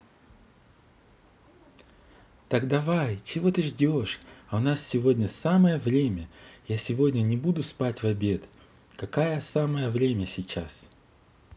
так давай чего ты ждешь а у нас сейчас самое время я сегодня не буду спать в обед какая самое время сейчас